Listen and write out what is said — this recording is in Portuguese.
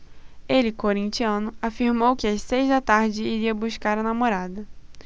ele corintiano afirmou que às seis da tarde iria buscar a namorada